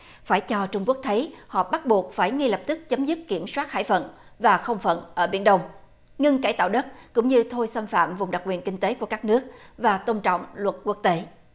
phải cho trung quốc thấy họ bắt buộc phải ngay lập tức chấm dứt kiểm soát hải phận và không phận ở biển đông nhưng cải tạo đất cũng như thôi xâm phạm vùng đặc quyền kinh tế của các nước và tôn trọng luật quốc tế